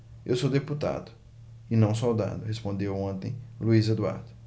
eu sou deputado e não soldado respondeu ontem luís eduardo